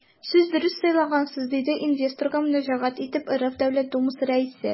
Сез дөрес сайлагансыз, - диде инвесторга мөрәҗәгать итеп РФ Дәүләт Думасы Рәисе.